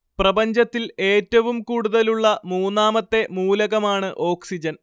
പ്രപഞ്ചത്തില്‍ ഏറ്റവും കൂടുതലുള്ള മൂന്നാമത്തെ മൂലകമാണ് ഓക്സിജന്‍